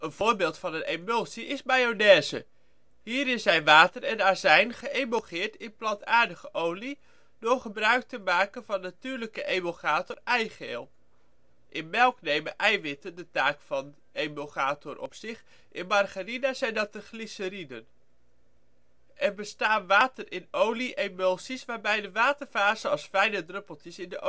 voorbeeld van een emulsie is mayonaise: hierin zijn water en azijn geëmulgeerd in plantaardige olie door gebruik te maken van de natuurlijke emulgator eigeel. In melk nemen eiwitten de taak van emulgator op zich, in margarine zijn dat glyceriden. Er bestaan water in olie (w/o) emulsies waarbij de waterfase als fijne druppeltjes in de